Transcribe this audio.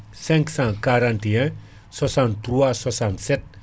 541 63 67